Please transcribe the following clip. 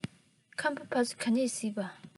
ཁམ བུ ཕ ཚོ ག ནས གཟིགས པ